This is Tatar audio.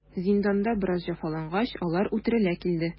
Зинданда бераз җәфалангач, алар үтерелә килде.